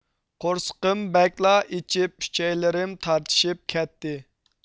قورسىقىم بەكلا ئېچىپ ئۈچەيلىرىم تارتىشىپ كەتتى